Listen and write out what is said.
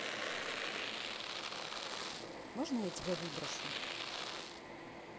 можно я тебя выброшу